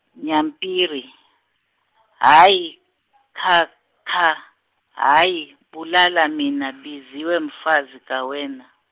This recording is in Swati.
Nyampiri, Hayi, kha, kha, hhayi, bulala mina biziwe mfazi kawena.